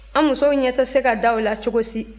an musow ɲɛ tɛ se ka da u la cogo si